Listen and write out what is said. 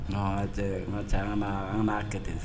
N an ka caya an na an na kɛ ten